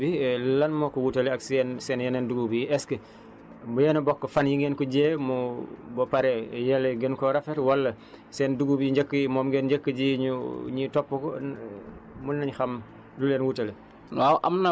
différence bi lan moo ko wutale ak seen seen yeneen dugub yi est ce que yéen a bokk fan yi ngeen ko jiyee mu ba pare yële gën koo rafet wala seen dugub yi njëkk yi moom ngeen njëkk a ji ñu ñu topp ko mun nañu xam lu leen wuutale